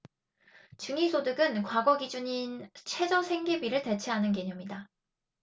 중위소득은 과거 기준인 최저생계비를 대체하는 개념이다